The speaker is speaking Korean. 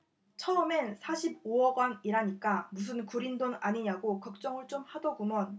처음엔 사십 오 억원이라니까 무슨 구린 돈 아니냐고 걱정을 좀 하더구먼